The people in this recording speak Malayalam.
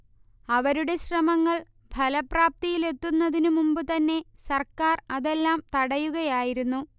അവരുടെ ശ്രമങ്ങൾ ഫലപ്രാപ്തിയിലെത്തുന്നതിനു മുമ്പു തന്നെ സർക്കാർ അതെല്ലാം തടയുകയായിരുന്നു